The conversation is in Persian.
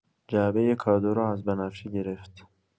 جعبۀ کادو را از بنفشه گرفت.